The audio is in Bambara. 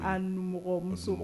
An numɔgɔmuso